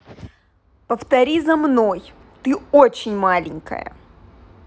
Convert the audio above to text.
повтори за мной ты очень маленькая